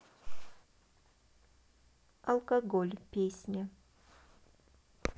алкоголь песня